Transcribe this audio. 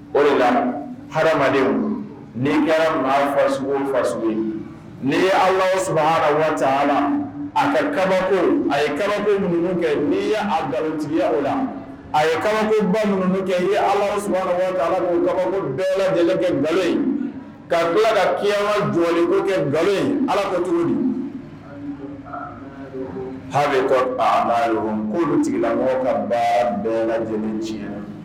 O de la hadamadamadenw ni kɛra maafafa ye n ye ala sumaworo waati a la a kɛ kabako a ye kabako minnu kɛ n'i y' dabutigiya o la a ye kabakoba minnu kɛ ye ala sumaworo ala kaba bɛɛ lajɛlen kɛ nkalon in ka bɛ ka kima jɔlenko kɛ nkalon ala ka jugudi a bɛ kɔ ko tigila mɔgɔ ka ba bɛɛ lajɛlen tiɲɛ